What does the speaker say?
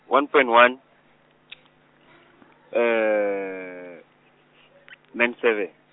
one point one , nine seven.